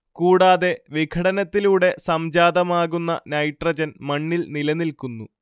കൂടാതെ വിഘടനത്തിലൂടെ സംജാതമാകുന്ന നൈട്രജൻ മണ്ണിൽ നിലനിൽക്കുന്നു